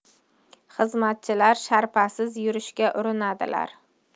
xizmatchilar sharpasiz yurishga urinadilar